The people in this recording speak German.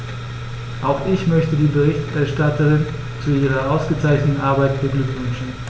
Auch ich möchte die Berichterstatterin zu ihrer ausgezeichneten Arbeit beglückwünschen.